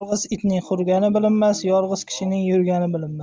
yolg'iz itning hurgani bilinmas yolg'iz kishining yurgani bilinmas